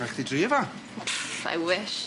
Rhai' chdi drio fo. Pff I wish.